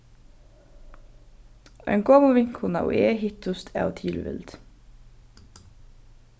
ein gomul vinkona og eg hittust av tilvild